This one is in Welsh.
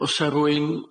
O's se rw un?